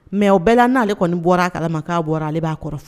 Mɛ aw bɛɛ la n'ale kɔni bɔra a kalama k' bɔra ale b'a kɔrɔ fɔ